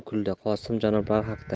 ham kuldi qosimbek janoblari haqdir